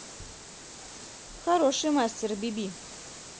хороший мастер биби